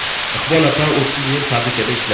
iqbol opa o'ttiz yil fabrikada ishlab